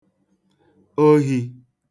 ohī